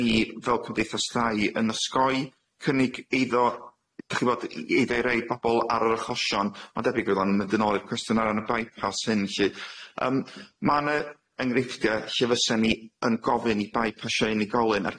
ni fel cymdeithas dai yn osgoi cynnig eiddo dach chi bod i i ddei rei bobol ar yr achosion ma'n debyg rŵan yn mynd yn ôl i'r cwestiwn ar ran y by-pass hyn lly yym ma' na enghreifftie lle fysen ni yn gofyn i by-passio unigolyn ar